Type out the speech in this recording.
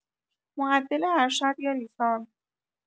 معدل ارشد یا لیسانس؟